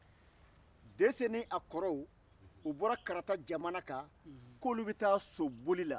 dɛsɛ n'a kɔrɔw u bɔra karata jamana kan k'olu bɛ taa soboli la